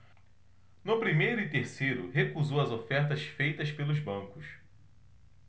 no primeiro e terceiro recusou as ofertas feitas pelos bancos